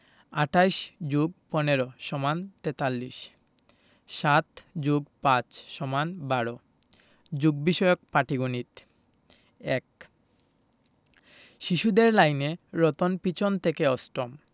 ২৮ + ১৫ = ৪৩ ৭+৫ = ১২ যোগ বিষয়ক পাটিগনিত ১ শিশুদের লাইনে রতন পিছন থেকে অষ্টম